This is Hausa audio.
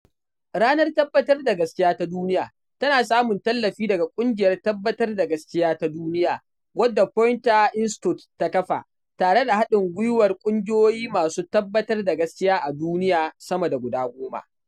Ranar Tabbatar da Gaskiya ta Duniya tana samun tallafi daga Ƙungiyar Tabbatar da Gaskiya ta Duniya, wadda Poynter Institute ta kafa tare da haɗin gwiwar ƙungiyoyi masu tabbatar da gaskiya a duniya sama da guda goma.